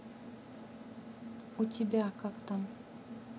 у тебя как там